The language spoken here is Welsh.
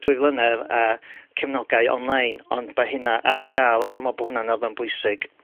dwy flynedd a cefnogau on-line, ond bo' hyna ar ga'l. A dwi me'wl bo hwnna'n elfen bwysig.